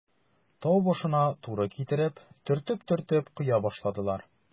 Тау башына туры китереп, төртеп-төртеп коя башладылар.